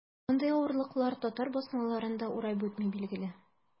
Андый авырлыклар татар басмаларын да урап үтми, билгеле.